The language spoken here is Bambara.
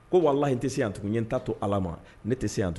Ko wala in tɛ se yan tugun n ɲɛ n taa to ala ma ne tɛ se yan tugun